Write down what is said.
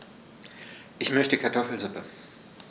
Ich möchte Kartoffelsuppe.